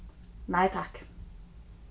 nei takk